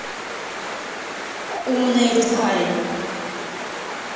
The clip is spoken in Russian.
умные твари